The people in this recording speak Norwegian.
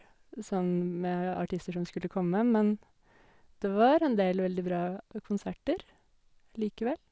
Sånn med artister som skulle komme, men det var en del veldig bra konserter likevel.